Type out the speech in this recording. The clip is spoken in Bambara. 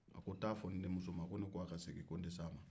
a ko ta'a fɔ n denmuso ma ko ne k'a ka segin ko n tɛ s'a ma